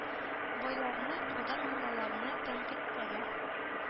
– байларны, надан муллаларны тәнкыйтьләгән,